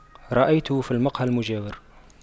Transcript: رأيته في المقهى المجاور